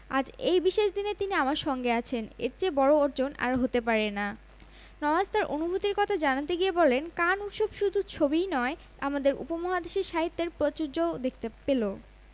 মান্টো উপমহাদেশের সাহিত্যে কতটা শক্তিমান এটা এখানে সবাইকে বোঝাতে পেরে দেখাতে পেরে আনন্দিত উল্লেখ্য কান চলচ্চিত্র উৎসব ২০১৮ মাতাচ্ছেন ঐশ্বরিয়া রাই বচ্চন